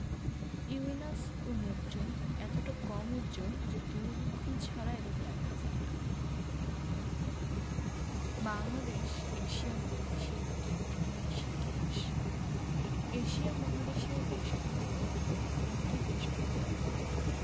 Uranus ও Neptune এতটা কম উজ্জ্বল যে দূরবীক্ষণ ছাড়া এদের দেখা যায় না বাংলাদেশ এশিয়া মহাদেশের একটি উন্নয়নশীল দেশ এশিয়া মহাদেশের দেশগুলোর মধ্যে কোনটি বেশ উন্নত